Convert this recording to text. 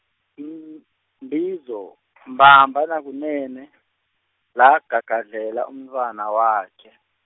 Mbizo, Mamba naKunene , lagagadlele umntfwana wakhe.